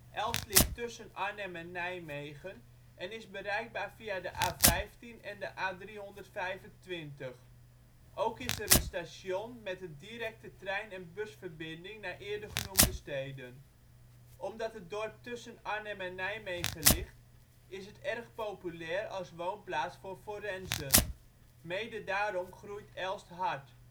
Elst ligt tussen Arnhem en Nijmegen en is bereikbaar via de A15 en A325. Ook is er een station met een directe trein - en busverbinding naar eerdergenoemde steden. Omdat het dorp tussen Arnhem en Nijmegen in ligt, is het erg populair als woonplaats voor forensen. Mede daarom groeit Elst hard